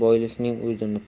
boylikning o'zini topar